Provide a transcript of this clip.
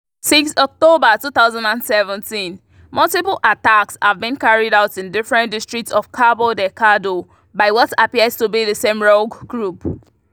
Since October 2017, multiple attacks have been carried out in different districts of Cabo Delgado by what appears to be the same rogue group.